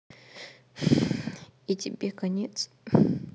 и тебе конец